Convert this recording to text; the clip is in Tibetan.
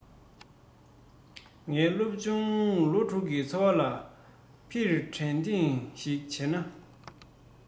ངའི སློབ ཆུང ལོ དྲུག གི འཚོ བ ལ ཕྱིར དྲན ཐེངས ཤིག བྱས ན